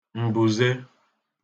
m̀bùze